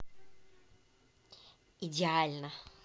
идеально